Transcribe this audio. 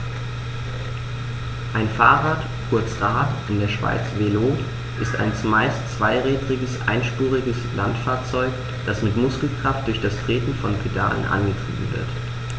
Ein Fahrrad, kurz Rad, in der Schweiz Velo, ist ein zumeist zweirädriges einspuriges Landfahrzeug, das mit Muskelkraft durch das Treten von Pedalen angetrieben wird.